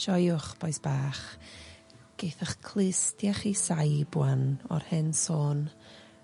Joiwch bois bach. Geith 'ych clustia chi saib ŵan o'r hen sôn